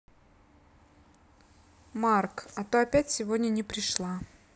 mark а то опять сегодня не пришла